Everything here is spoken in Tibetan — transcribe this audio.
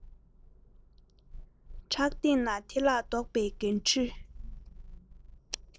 ཕྲག སྟེང ན དེ ལས ལྡོག པའི འགན འཁྲི